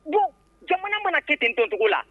Bon jamana mana kɛ ten nt dugu la